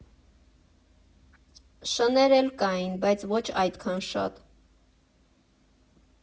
Շներ էլ կային, բայց ոչ այդքան շատ։